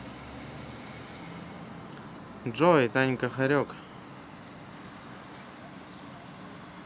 джой танька хорек